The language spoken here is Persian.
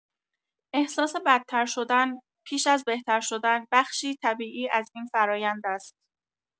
احساس بدترشدن پیش از بهترشدن، بخشی طبیعی از این فرایند است.